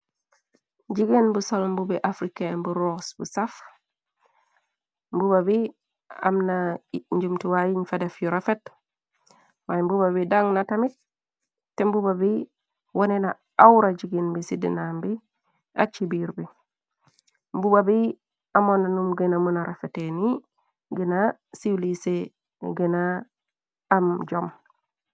Jigéen bu sol mbubi africain bu ross bu saf mbuba bi amna njumtiwa yiñ fa def yu rafet waay mbuba bi dang na tamit te mbuba bi wone na awra jigeen bi ci dinam bi ak ci biir bi mbuba bi amoon na num gëna mëna rafete ni gëna siiwliise gëna am jom.